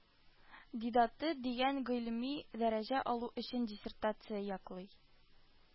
Дидаты дигән гыйльми дәрәҗә алу өчен диссертация яклый